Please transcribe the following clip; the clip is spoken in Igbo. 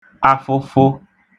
afụfụ